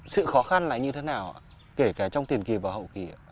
sự khó khăn là như thế nào ạ kể cả trong tiền kỳ và hậu kỳ